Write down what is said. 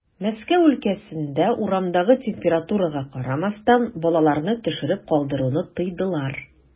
Мәскәү өлкәсендә, урамдагы температурага карамастан, балаларны төшереп калдыруны тыйдылар.